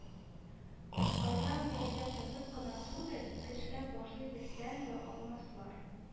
Арзан бәягә сатып кына түгел, көчләп бушлай бирсәң дә алмаслар